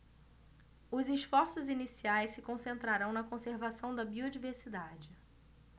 os esforços iniciais se concentrarão na conservação da biodiversidade